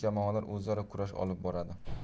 jamoalar o'zaro kurash olib boradi